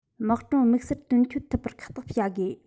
དམག གྲོན དམིགས སར དོན འཁྱོལ ཐུབ པར ཁག ཐེག བྱ དགོས